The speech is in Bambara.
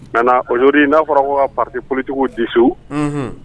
Maintenant aujourd'hui n'a fɔra ko ka partis politiques w dissous . Unhun